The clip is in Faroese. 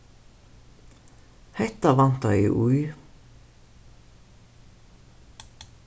hetta vantaði í